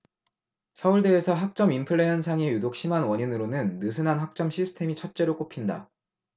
서울대에서 학점 인플레 현상이 유독 심한 원인으로는 느슨한 학점 시스템이 첫째로 꼽힌다